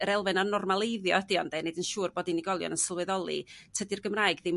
yr elfen o normaleiddio ydi o ynde? 'Neud yn siŵr bod unigolion yn sylweddoli tydi'r Gymraeg ddim